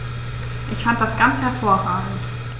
Ich fand das ganz hervorragend.